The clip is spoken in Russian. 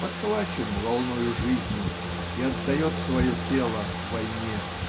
подхвачен волною жизни и отдает свое тело войне.